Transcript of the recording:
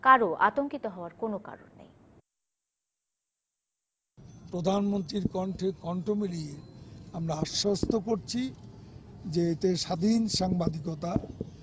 কারো আতঙ্কিত হবার কোন কারণ নেই প্রধানমন্ত্রীর কণ্ঠে কণ্ঠ মিলিয়ে আমরা আশ্বস্ত করছি যে এতে স্বাধীন সাংবাদিকতা